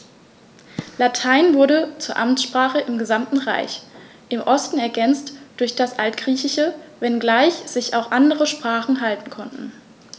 Latein wurde zur Amtssprache im gesamten Reich (im Osten ergänzt durch das Altgriechische), wenngleich sich auch andere Sprachen halten konnten.